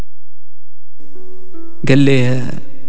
قال لي